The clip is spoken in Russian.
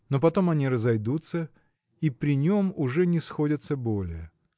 но потом они разойдутся и при нем уже не сходятся более.